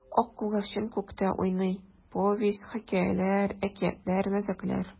Ак күгәрчен күктә уйный: повесть, хикәяләр, әкиятләр, мәзәкләр.